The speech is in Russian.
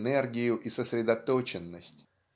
энергию и сосредоточенность.